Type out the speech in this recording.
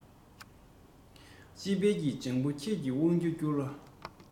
དཔྱིད དཔལ གྱི ལྗང བུ ཁྱེད ཀྱི དབང དུ གྱུར ལ